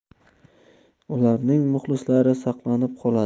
ularning muxlislari saqlanib qoladi